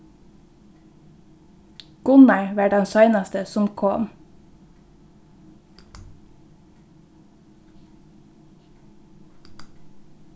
gunnar var tann seinasti sum kom